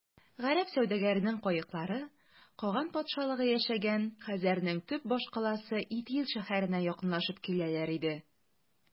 Гарәп сәүдәгәренең каеклары каган патшалыгы яшәгән хәзәрнең төп башкаласы Итил шәһәренә якынлашып киләләр иде.